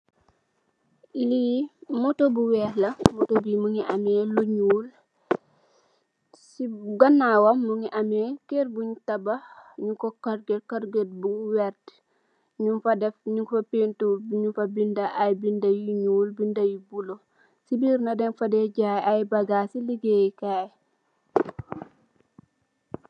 Lii motto bu weex la, motto bi mu ngi am lu ñuul la, si ganaawam, mu ngi am, kër buñ tabax, ñung ko peentur, ñung fa binda ay bindë yu ñuul, bindë yu, bulo, si biir nak dañ fa, de jaay, ay bagaasi leegeyee kaay.